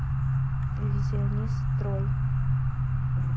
иллюзионист трой